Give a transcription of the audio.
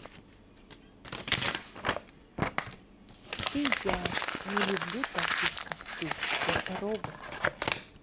ты я не люблю таких как ты это робот